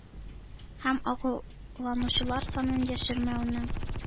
Һәм агуланучылар санын яшермәүне